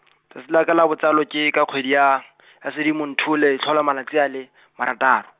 tsatsi la ka la botsalo ke ka kgwedi ya, ya Sedimonthole e tlhola malatsi a le, marataro.